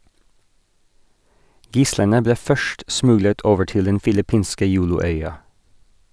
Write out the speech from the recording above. Gislene ble først smuglet over til den filippinske Jolo-øya.